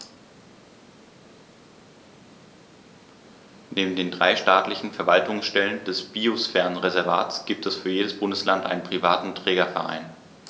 Neben den drei staatlichen Verwaltungsstellen des Biosphärenreservates gibt es für jedes Bundesland einen privaten Trägerverein.